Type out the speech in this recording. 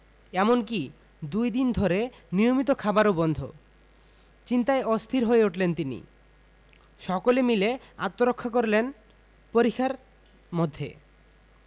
এমনকি দুই দিন ধরে নিয়মিত খাবারও বন্ধ চিন্তায় অস্থির হয়ে উঠলেন তিনি সকলে মিলে আত্মরক্ষা করলেন পরিখার মধ্যে